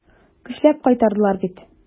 Көчләп кайтардылар бит.